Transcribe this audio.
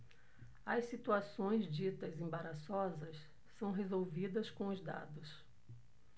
as situações ditas embaraçosas são resolvidas com os dados